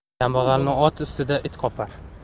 kambag'alni ot ustida it qopar